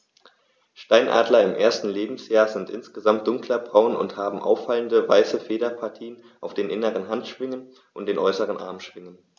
Steinadler im ersten Lebensjahr sind insgesamt dunkler braun und haben auffallende, weiße Federpartien auf den inneren Handschwingen und den äußeren Armschwingen.